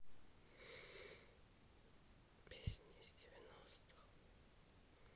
песни из девяностых